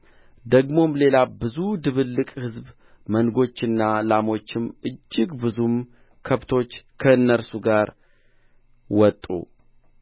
ደግሞም ሌላ ብዙ ድብልቅ ሕዝብ መንጎችና ላሞችም እጅግ ብዙም ከብቶች ከእነርሱ ጋር ወጡ